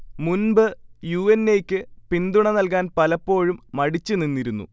മുൻപ് U. N. A. യ്ക്ക് പിന്തുണ നൽകാൻ പലപ്പോഴും മടിച്ച് നിന്നിരുന്നു